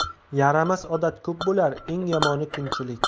yaramas odat ko'p bo'lar eng yomoni kunchilik